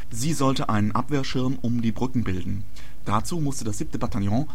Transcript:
Sie sollte einen Abwehrschirm um die Brücken bilden. Dazu musste das 7. Bataillon